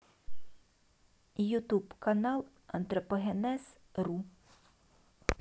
ютуб канал антропогенез ру